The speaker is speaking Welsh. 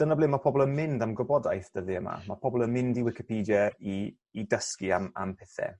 dyna ble ma' pobol yn mynd am gwybodaeth dyddie 'ma ma' pobol yn mynd i wicipedia i i dysgu am am pethe